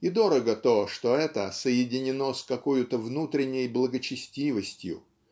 и дорого то, что это соединено с какою-то внутренней благочестивостью